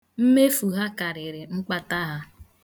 Mmefu ha karịrị mkpata ha.